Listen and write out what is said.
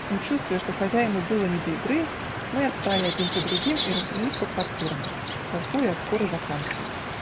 но, чувствуя, что хозяину было не до игры, мы отстали один за другим и разбрелись по квартирам, толкуя о скорой ваканции.